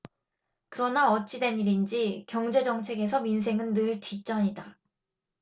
그러나 어찌된 일인지 경제정책에서 민생은 늘 뒷전이다